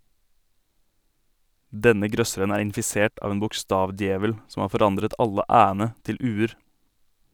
Denne grøsseren er infisert av en bokstavdjevel som har forandret alle "æ"-ene til "u"-er.